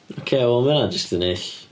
Oce wel ma' hynna jyst yn hyll.